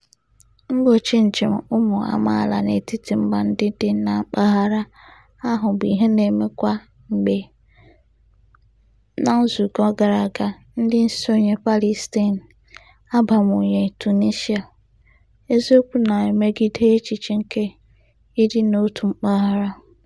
Mgbochi njem ụmụamaala n'etiti mba ndị dị na mpaghara ahụ bụ Ihe na-eme kwa mgbe (na nzụkọ gara aga, ndị nsonye Palestine abanyenwughị Tunisia) eziokwu na-emegide echiche nke ịdị n'otu mpaghara.